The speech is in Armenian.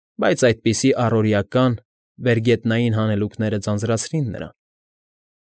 Բայց այդպիսի առօրեական, վերգետնային հանելուկները ձանձրացրին նրան։